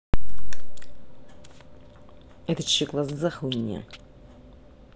это че глаза хуйня